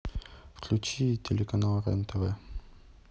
включи телеканал рен тв